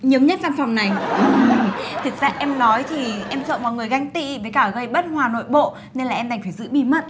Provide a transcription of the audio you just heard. nhiều nhất văn phòng này thực ra em nói thì em sợ mọi người ganh tị với cả gây bất hòa nội bộ nên là em đành phải giữ bí mật